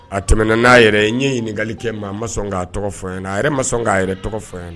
A tɛmɛna n'a yɛrɛ ɲɛ ɲininkakali kɛ maa a ma sɔn k'a tɔgɔ fɔ ye a yɛrɛ ma sɔn k' yɛrɛ tɔgɔ fɔ ye